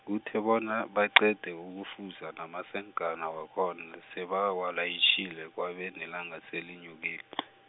kuthe bona baqede ukufuza namasenkana wakhona sebawalayitjhile kwabe nelanga selenyukile .